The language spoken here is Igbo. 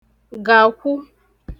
gàkwu